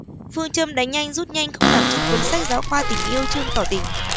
phương châm đánh nhanh rút nhanh không nằm trong cuốn sách giáo khoa tình yêu chương tỏ tình